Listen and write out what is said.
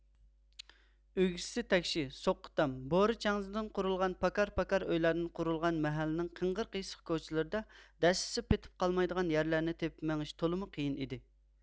ئۆگزىسى تەكشى سوققا تام بورا چەڭزىدىن قۇرۇلغان پاكار پاكار ئۆيلەردىن قۇرۇلغان مەھەللىنىڭ قىڭغىر قىيسىق كوچىلىرىدا دەسسىسە پېتىپ قالمايدىغان يەرلەرنى تېپىپ مېڭىش تولىمۇ قىيىن ئىدى